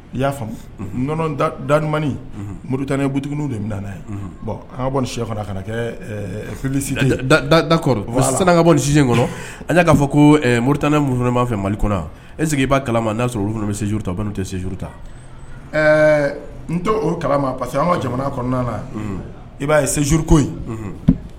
I y'a fa nɔnɔ damani mori tanen but de bɛ nana bɔ si ka dakɔrɔ sisan ka bɔsi kɔnɔ a y'a'a fɔ ko mori tanɛ minnu' fɛ mali kɔnɔ e i kalama n'a sɔrɔ olu bɛ se sjuru ta' tɛ se sjuru ta ɛɛ n o kalama parce que an ka jamana kɔnɔna na i b'a yezuru ko